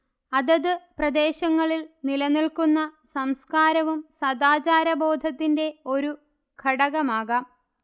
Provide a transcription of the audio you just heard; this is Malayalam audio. അതത് പ്രദേശങ്ങളിൽ നിലനിൽക്കുന്ന സംസ്കാരവും സദാചാരബോധത്തിന്റെ ഒരു ഘടകമാകാം